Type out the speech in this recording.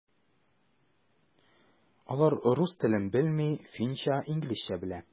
Алар рус телен белми, финча, инглизчә белә.